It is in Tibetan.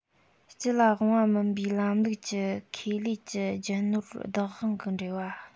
སྤྱི ལ དབང བ མིན པའི ལམ ལུགས ཀྱི ཁེ ལས ཀྱི རྒྱུ ནོར བདག དབང གི འབྲེལ བ